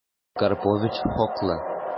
Карпович хаклы...